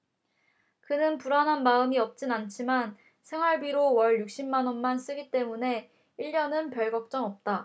그는 불안한 마음이 없진 않지만 생활비로 월 육십 만원만 쓰기 때문에 일 년은 별걱정 없다